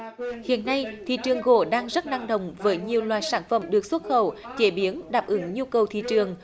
hiện nay thị trường gỗ đang rất năng động với nhiều loại sản phẩm được xuất khẩu chế biến đáp ứng nhu cầu thị trường